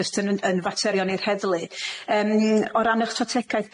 jyst yn yn faterion i'r heddlu yym o ran 'ych strategaeth